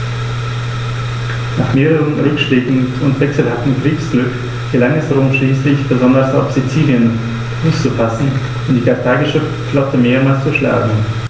Nach mehreren Rückschlägen und wechselhaftem Kriegsglück gelang es Rom schließlich, besonders auf Sizilien Fuß zu fassen und die karthagische Flotte mehrmals zu schlagen.